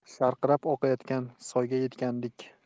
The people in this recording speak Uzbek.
sharqirab oqayotgan soyga yetgandik